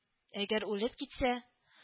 — әгәр үлеп китсә